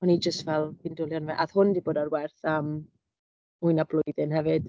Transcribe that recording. O'n i'n jyst fel, "fi'n dwlu arno fe." A oedd hwn 'di bod ar werth am fwy na blwyddyn hefyd.